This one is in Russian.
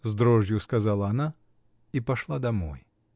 — с дрожью сказала она и пошла домой.